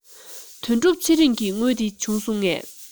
དོན གྲུབ ཚེ རིང གི དངུལ དེ བྱུང སོང ངས